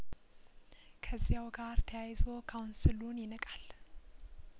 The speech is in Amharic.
ከዚያው ጋር ተያይዞ ካውንስሉን ይንቃል